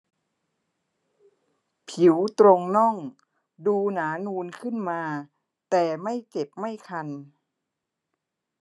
ผิวตรงน่องดูหนานูนขึ้นมาแต่ไม่เจ็บไม่คัน